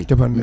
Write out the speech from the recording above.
capannayyi